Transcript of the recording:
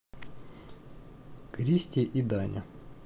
кристи и даня